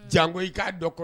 Jango i ka dɔn ko